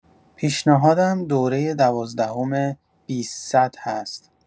پیشنهادم دوره دوازدهم بیستصد هست.